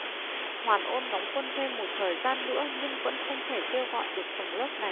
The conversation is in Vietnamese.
hoàn ôn đóng quân thêm một thời gian nữa nhưng vẫn không thể kêu gọi được tầng lớp này